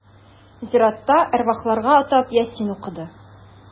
Зиратта әрвахларга атап Ясин укыды.